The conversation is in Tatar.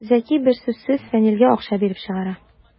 Зәки бер сүзсез Фәнилгә акча биреп чыгара.